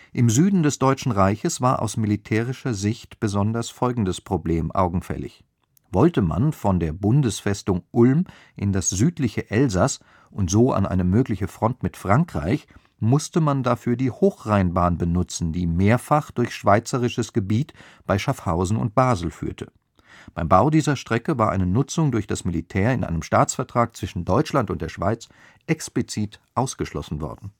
Im Süden des Deutschen Reiches war aus militärischer Sicht besonders folgendes Problem augenfällig: Wollte man von der Bundesfestung Ulm in das südliche Elsass und so an eine mögliche Front mit Frankreich, musste man dafür die Hochrheinbahn nutzen, die mehrfach durch schweizerisches Gebiet bei Schaffhausen und Basel führte. Beim Bau dieser Strecke war eine Nutzung durch das Militär in einem Staatsvertrag zwischen Deutschland und der Schweiz explizit ausgeschlossen worden